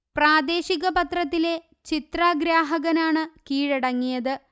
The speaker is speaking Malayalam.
പ്രാദേശിക പത്രത്തിലെ ചിത്രഗ്രാഹകൻആണ് കീഴടങ്ങിയത്